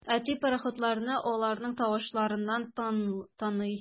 Әти пароходларны аларның тавышларыннан таный.